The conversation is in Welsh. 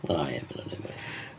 O ia ma' hynna wneud mwy o sens.